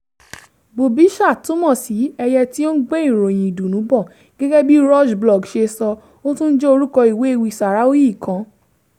Bubisher túmọ̀ sí "ẹyẹ tí ó ń gbé ìròyìn ìdùnnú bọ̀." Gẹ́gẹ́ bí Roge Blog ṣe sọ, ó tún jẹ́ orúkọ ìwé ewì Saharaui kan.